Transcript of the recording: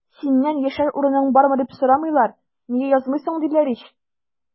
Синнән яшәр урының бармы, дип сорамыйлар, нигә язмыйсың, диләр ич!